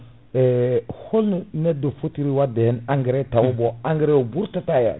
e holno neɗɗo fotiri wadde hen engrais taw bon engrais o ɓurtata yani